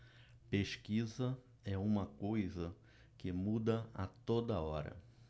pesquisa é uma coisa que muda a toda hora